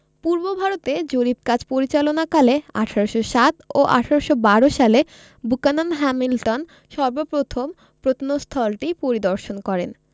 পূর্বভারতে জরিপ কাজ পরিচালনাকালে ১৮০৭ ও ১৮১২ সালে বুকানন হ্যামিল্টন সর্ব প্রথম প্রত্নস্থলটি পরিদর্শন করেন